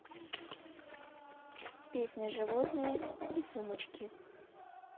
песня животные и сумочки